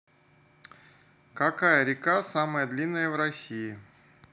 какая река самая длинная в россии